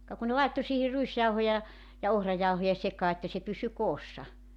ka kun ne laittoi siihen ruisjauhoja ja ohrajauhoja sekaan että se pysyi koossa